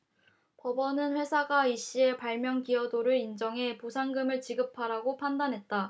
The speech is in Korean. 법원은 회사가 이씨의 발명 기여도를 인정해 보상금을 지급하라고 판단했다